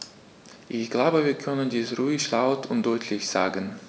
Ich glaube, wir können dies ruhig laut und deutlich sagen.